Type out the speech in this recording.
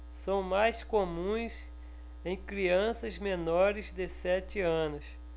são mais comuns em crianças menores de sete anos